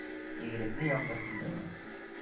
Игелекле яңгыр инде бу